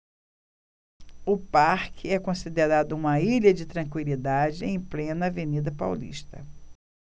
o parque é considerado uma ilha de tranquilidade em plena avenida paulista